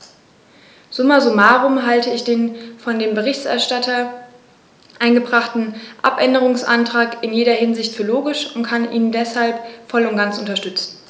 Summa summarum halte ich den von dem Berichterstatter eingebrachten Abänderungsantrag in jeder Hinsicht für logisch und kann ihn deshalb voll und ganz unterstützen.